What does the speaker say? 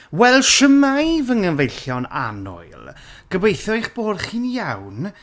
Wel shwmae fy nghyfeillion annwyl gobeithio eich bo' chi'n iawn.